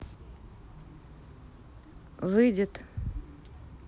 выйдет